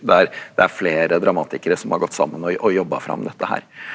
det er det er flere dramatikere som har gått sammen og og jobba fram dette her.